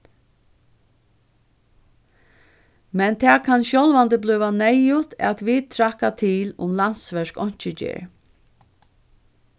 men tað kann sjálvandi blíva neyðugt at vit traðka til um landsverk einki ger